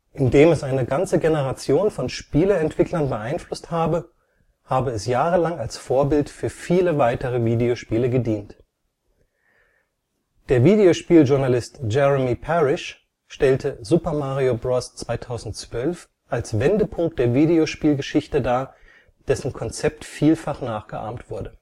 Indem es eine ganze Generation von Spieleentwicklern beeinflusst habe, habe es jahrelang als Vorbild für viele weitere Videospiele gedient. Der Videospieljournalist Jeremy Parish stellte Super Mario Bros. 2012 als Wendepunkt der Videospielgeschichte dar, dessen Konzept vielfach nachgeahmt wurde